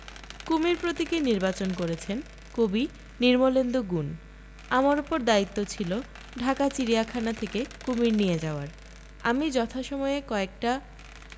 কুমীর প্রতীকে নির্বাচন করেছেন কবি নির্মলেন্দু গুণ আমার উপর দায়িত্ব ছিল ঢাকা চিড়িয়াখানা থেকে কুমীর নিয়ে যাওয়ার আমি যথাসময়ে কয়েকটা